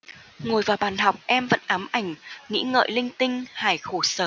ngồi vào bàn học em vẫn ám ảnh nghĩ ngợi linh tinh hải khổ sở